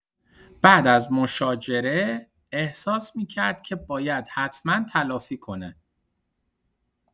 بعد از مشاجره، احساس می‌کرد که باید حتما تلافی کنه.